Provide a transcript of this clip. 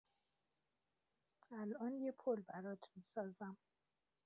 الان یه پل برات می‌سازم.